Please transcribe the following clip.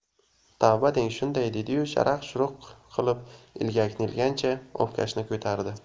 tavba deng shunday dediyu sharaq shuruq qilib ilgakni ilgancha obkashni ko'tardi